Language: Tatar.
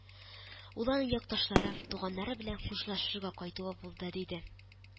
Ул аның якташлары, туганнары белән хушлашырга кайтуы булды, — диде